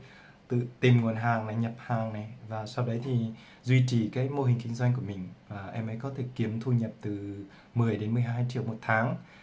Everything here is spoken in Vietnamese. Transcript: có thể tự tìm nguồn hàng nhập hàng và sau đó duy trì mô hình kinh doanh của mình và em ấy có thể kiếm thu nhập từ triệu một tháng